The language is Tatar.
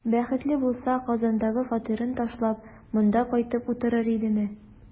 Бәхетле булса, Казандагы фатирын ташлап, монда кайтып утырыр идеме?